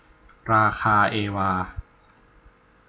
ราคาเอวา